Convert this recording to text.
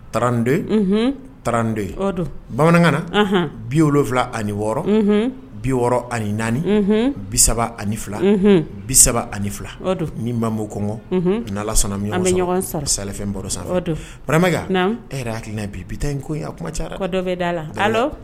Tado tado bamanankanana bi wolowula ani wɔɔrɔ bi wɔɔrɔ ani naani bisa ani fila bisa ani fila ni kɔngɔ sɔnna min an bɛ ɲɔgɔn safɛn sa barakɛ e yɛrɛ hakili bi bi ko a kuma ca dɔ bɛ da la